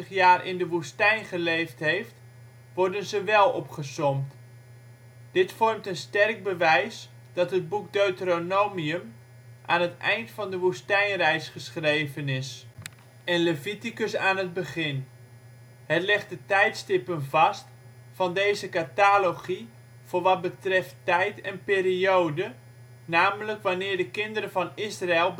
jaar in de woestijn geleefd heeft, worden ze wel opgesomd. Dit vormt een sterk bewijs dat het boek Deuteronomium aan het eind van de woestijnreis geschreven is en Leviticus aan het begin. Het legt de tijdstippen vast van deze catalogi voor wat betreft tijd en periode, namelijk wanneer de kinderen van Israël